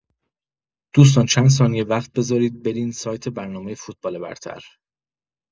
دوستان چند ثانیه وقت بذارید برین سایت برنامه فوتبال برتر.